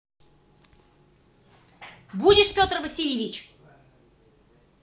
будешь петр васильевич